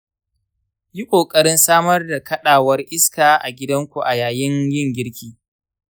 yi ƙoƙarin samar da kaɗawar iska a gidanku a yayin yin girki